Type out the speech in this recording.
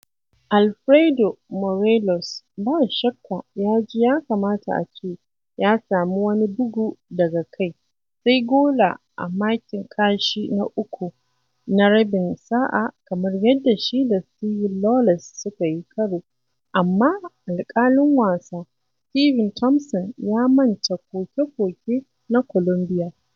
Alfredo Morelos ba shakka ya ji ya kamata a ce ya sami wani bugu daga kai sai gola a makin kashi na uku na rabin sa’a kamar yadda shi da Steven Lawless suka yi karo amma alƙalin wasa Steven Thomson ya manta koke-koke na Colombia.